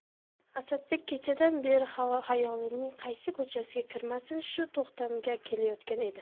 asadbek kechadan beri xayolning qaysi ko'chasiga kirmasin shu to'xtamga kelayotgan edi